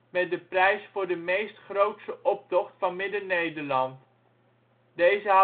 met de prijs voor de meest grootse optocht van Midden-Nederland. Deze